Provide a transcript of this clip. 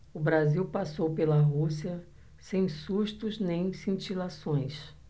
o brasil passou pela rússia sem sustos nem cintilações